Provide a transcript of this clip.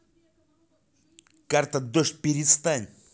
карта дождь перестань